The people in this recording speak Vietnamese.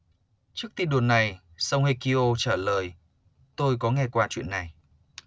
trước tin đồn này song hye kyo trả lời tôi có nghe qua chuyện này